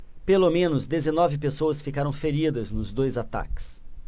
pelo menos dezenove pessoas ficaram feridas nos dois ataques